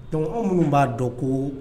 Dɔnku minnu b'a dɔn ko